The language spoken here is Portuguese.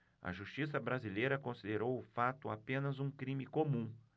a justiça brasileira considerou o fato apenas um crime comum